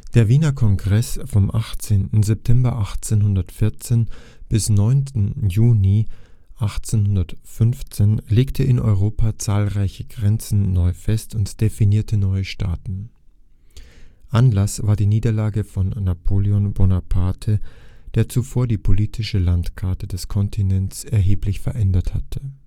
Der Wiener Kongress vom 18. September 1814 bis 9. Juni 1815 legte in Europa zahlreiche Grenzen neu fest und definierte neue Staaten. Anlass war die Niederlage von Napoleon Bonaparte, der in den Koalitionskriegen im Gefolge der Französischen Revolution die politische Landkarte des Kontinentes erheblich verändert hatte